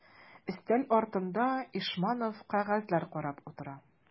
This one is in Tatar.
Өстәл артында Ишманов кәгазьләр карап утыра.